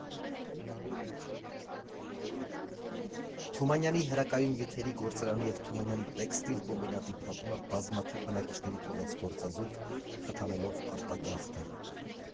Թումանյանի հրակայուն նյութերի գործարանի և Թումանյանի տեքստիլ կոմբինատի փակումը բազմաթիվ բնակիչների թողեց գործազուրկ՝ խթանելով արտագաղթը։